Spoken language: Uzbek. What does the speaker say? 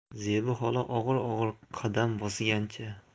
zebi xola og'ir og'ir qadam bosgancha